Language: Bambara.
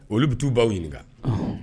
Olu bi t'u baw ɲininka ɔnhɔn